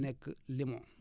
nekk limon